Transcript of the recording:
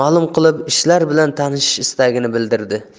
malum qilib ishlar bilan tanishish istagini bildirdi